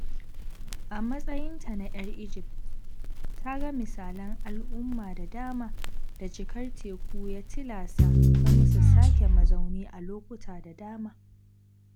A matsayinta na 'yar Egypt ta ga misalan al'umma da dama da cikar teku ya tilasa ta musu sake mazauni a lokuta da dama.